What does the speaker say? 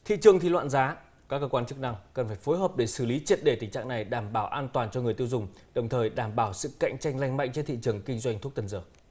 thị trường thì loạn giá các cơ quan chức năng cần phải phối hợp để xử lý triệt để tình trạng này đảm bảo an toàn cho người tiêu dùng đồng thời đảm bảo sức cạnh tranh lành mạnh trên thị trường kinh doanh thuốc tân dược